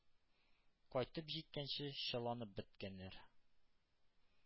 Кайтып җиткәнче чыланып беткәннәр.